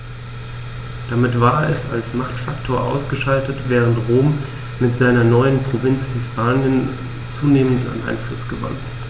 Damit war es als Machtfaktor ausgeschaltet, während Rom mit seiner neuen Provinz Hispanien zunehmend an Einfluss gewann.